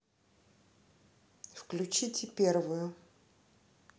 включите первую